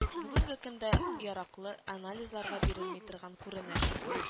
- бүгенге көндә яраклы анализларга бирелми торган күренеш